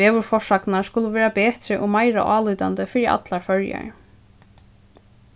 veðurforsagnirnar skulu vera betri og meira álítandi fyri allar føroyar